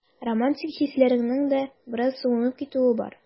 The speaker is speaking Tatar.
Романтик хисләреңнең дә бераз суынып китүе бар.